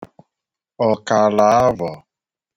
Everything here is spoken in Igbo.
ọ̀kàlà avọ̀